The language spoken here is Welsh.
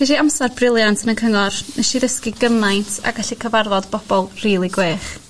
Geshi amsar briliant yn y Cyngor neshi ddysgu gymaint a gallu cyfarfod bobol rili gwych.